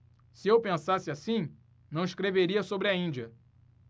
se eu pensasse assim não escreveria sobre a índia